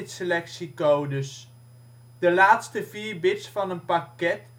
selectie "- codes. De laatste vier bits van een pakket